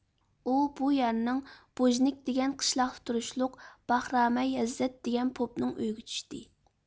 ئۇ بۇ يەرنىڭ بوژېنك دېگەن قىشلاقتا تۇرۇشلۇق باخرامەي ھەززەت دېگەن پوپنىڭ ئۆيىگە چۈشتى